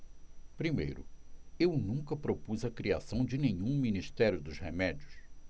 primeiro eu nunca propus a criação de nenhum ministério dos remédios